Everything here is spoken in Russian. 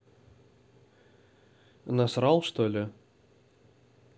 насрал что ли